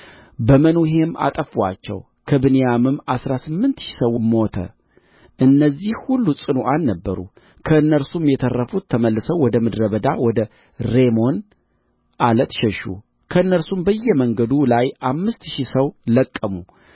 በመኑሔም አጠፉአቸው ከብንያምም አሥራ ስምንት ሺህ ሰው ሞተ እነዚህ ሁሉ ጽኑዓን ነበሩ ከእነርሱም የተረፉት ተመልሰው ወደ ምድረ በዳ ወደ ሬሞን ዓለት ሸሹ ከእነርሱም በየመንገዱ ላይ አምስት ሺህ ሰው ለቀሙ